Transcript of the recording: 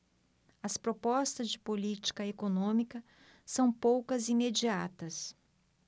as propostas de política econômica são poucas e imediatas